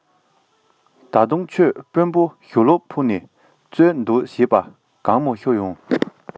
ད དུང ཁྱོད དཔོན པོར ཞུ ལོག ཕུལ ནས རྩོད འདོད བྱེད པ གད མོ ཤོར ཡོང